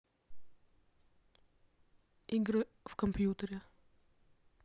игры в компьютере